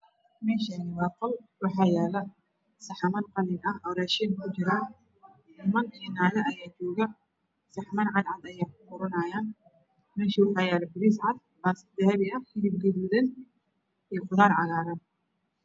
Meeshaani waa qol waxaa yaalo saxaman qalin ah oo raashin kujiraan. Niman iyo naago ayaa joogo oo saxaman cadcad ah ku guranahayaan, meesha waxaa yaalo bariis cad, dahabi ah, gadgaduudan iyo qudaar cagaaran.